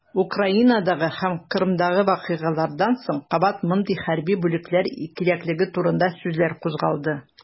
Украинадагы һәм Кырымдагы вакыйгалардан соң кабат мондый хәрби бүлекләр кирәклеге турында сүзләр кузгалды.